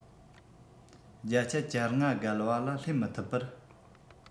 བརྒྱ ཆ ༨༥ བརྒལ བ ལ སླེབས མི ཐུབ པར